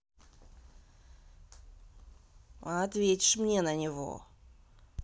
ответишь мне на него